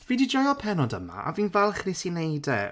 Fi 'di joio'r pennod yma a fi'n falch wnes i wneud e.